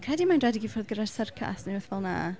Credu mae'n redeg i ffwrdd gyda'r syrcas neu rywbeth fel 'na.